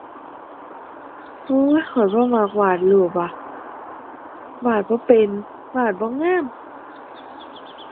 โอ้ย ข้อยบ่มักวาดรูปว่ะ วาดบ่เป็น วาดบ่งาม